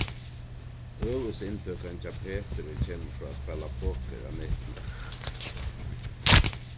høvuðsinntøkan hjá peturi kemur frá at spæla poker á netinum